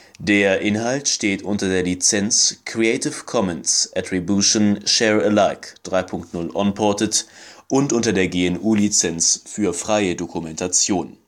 Der Inhalt steht unter der Lizenz Creative Commons Attribution Share Alike 3 Punkt 0 Unported und unter der GNU Lizenz für freie Dokumentation